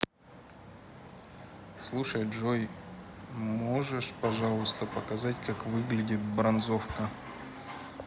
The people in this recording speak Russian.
слушай джой можешь пожалуйста показать как выглядит бронзовка